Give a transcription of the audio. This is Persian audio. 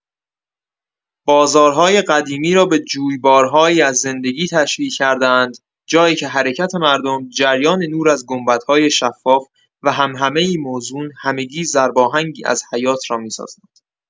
بازارهای قدیمی را به جویبارهایی از زندگی تشبیه کرده‌اند، جایی که حرکت مردم، جریان نور از گنبدهای شفاف، و همهمه‌ای موزون، همگی ضرباهنگی از حیات را می‌سازند.